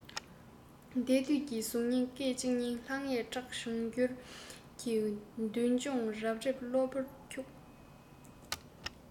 འདས དུས ཀྱི གཟུགས བརྙན སྐད ཅིག ལྷང ངེར བཀྲ འབྱུང འགྱུར གྱི མདུན ལྗོངས རབ རིབ གློ བུར འཁྱུགས